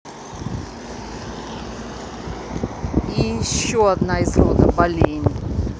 и еще одна из рода болейн